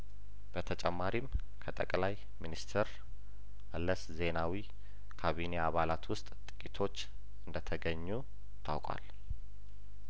በተጨማሪም ከጠቅለይ ሚንስተር መለስ ዜናዊ ካቢኔ አባላት ውስጥ ጥቂቶች እንደተገኙ ታውቋል